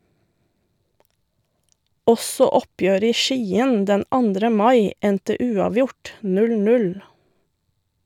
Også oppgjøret i Skien den 2. mai endte uavgjort, 0-0.